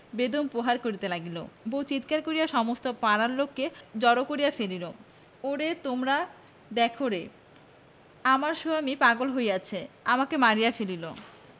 বেদম প্রহার করিতে লাগিল বউ চিৎকার করিয়া সমস্ত পাড়ার লােক জড় করিয়া ফেলিল ওরে তোমরা দেখরে আমার সোয়ামী পাগল হইয়াছে আমাকে মারিয়া ফেলিল